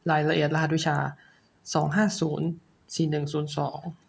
รายละเอียดรหัสวิชาสองห้าศูนย์สี่หนึ่งศูนย์สอง